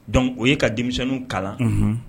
Dɔnkuc o ye ka denmisɛnw kalan